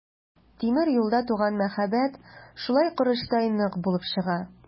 Тимер юлда туган мәхәббәт шулай корычтай нык булып чыга.